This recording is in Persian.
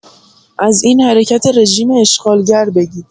از این حرکت رژیم اشغالگر بگید